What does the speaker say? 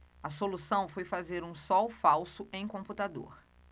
a solução foi fazer um sol falso em computador